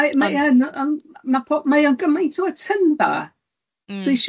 Mae mae yn on- ma' po- mae o'n gymaint o atynfa... Mm...